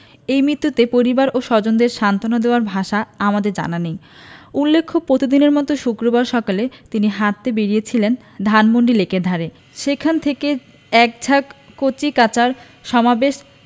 এই মৃত্যুতে পরিবার ও স্বজনদের সান্তনা দেয়ার ভাষা আমাদের জানা নেই উল্লেখ্য প্রতিদিনের মতো শুক্রবার সকালে তিনি হাঁটতে বেরিয়েছিলেন ধানমন্ডি লেকের ধারে সেখানে এক ঝাঁক কচিকাঁচার সমাবেশ